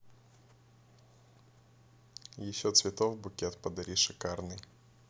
еще цветов букет подари шикарный